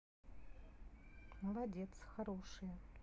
молодец хорошие